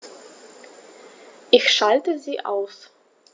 Ich schalte sie aus.